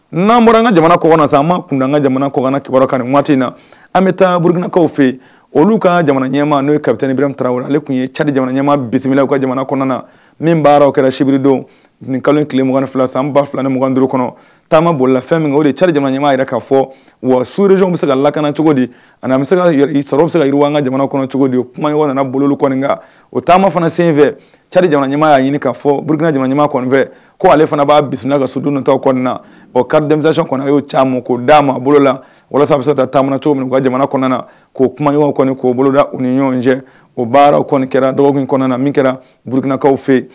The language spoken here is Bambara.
N'an bɔra ka jamana kɔ san ma kun an ka jamana kɔna kiba kan nin waati in na an bɛ taa burukinakaw fɛ yen olu ka jamana ɲɛma n'o ye kate nib tarawelewale ale tun ye c ni jamana ɲɛmaa bisimilaw ka jamana na ni baaraw kɛra sibiridon nin kalo tile02 fila san ba 2 niugangan d duuruuru kɔnɔ taama bololafɛn min o de ca jamana ɲɛmaa yɛrɛ ka fɔ wa sury bɛ se ka lakana cogo di ani bɛ se ka sɔrɔ u bɛ se ka' an ka jamana kɔnɔ cogo di kuma ɲɔgɔn bolo kɔnɔna o taama fana senfɛ cadi jamanamaa y'a ɲini ka fɔurukina jamana ko ale fana b'a bisimilana ka sodtɔ kɔnɔna na o kari denmisɛn kɔnɔ y'o c' d'a ma bolola walasa bɛ taa taama cogo min ka jamana na k'o kuma ɲɔgɔn'o boloda u ni ɲɔgɔn cɛ o baaraw kɛra dɔgɔkun na min kɛra burukinakaw fɛ